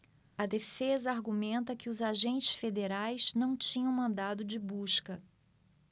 a defesa argumenta que os agentes federais não tinham mandado de busca